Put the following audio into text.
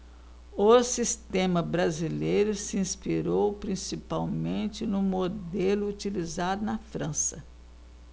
o sistema brasileiro se inspirou principalmente no modelo utilizado na frança